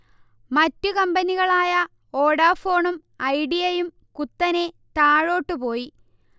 മറ്റു കമ്പനികളായ വോഡഫോണും ഐഡിയയും കുത്തനെ താഴോട്ടുപോയി